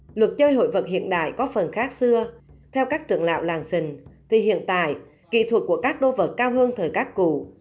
i luật chơi hụi vẫn hiện đại có phần khác xưa theo các trưởng lão làng sình thì hiện tại kỹ thuật của các đô vật cao hơn thời các cụ